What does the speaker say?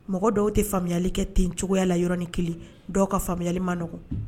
Mɔgɔ dɔw tɛ faamuyayali kɛ ten cogoyaya la yɔrɔin kelen dɔw ka faamuyayali man n nɔgɔ